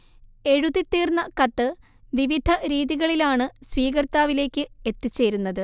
എഴുതിത്തീർന്ന കത്ത് വിവിധ രീതികളിലാണ് സ്വീകർത്താവിലേക്ക് എത്തിച്ചേരുന്നത്